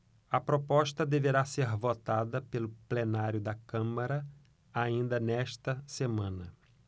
a proposta deverá ser votada pelo plenário da câmara ainda nesta semana